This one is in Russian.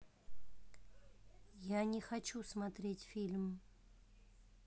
я не хочу смотреть фильм